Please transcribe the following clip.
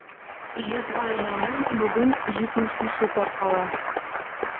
100 гаиләнең бүген 75-е таркала.